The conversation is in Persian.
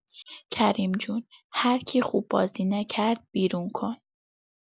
کریم جون هرکی خوب بازی نکرد بیرون کن.